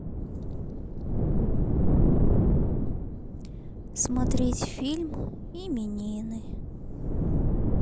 смотреть фильм именины